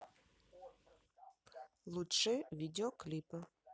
лучшие видеоклипы